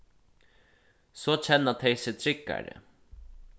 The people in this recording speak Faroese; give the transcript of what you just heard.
so kenna tey seg tryggari